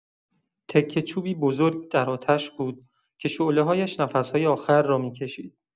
تکه‌چوبی بزرگ در آتش بود که شعله‌هایش نفس‌های آخر را می‌کشید.